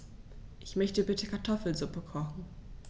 Ich möchte bitte Kartoffelsuppe kochen.